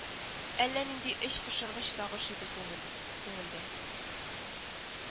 Әллә нинди эчпошыргыч сагыш иде күңел күңелдә